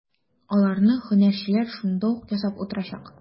Аларны һөнәрчеләр шунда ук ясап та утырачак.